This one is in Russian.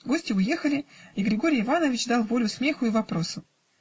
гости уехали, и Григорий Иванович дал волю смеху и вопросам.